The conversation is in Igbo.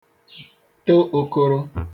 to okoro